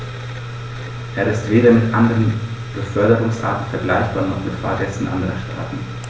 Er ist weder mit anderen Beförderungsarten vergleichbar, noch mit Fahrgästen anderer Staaten.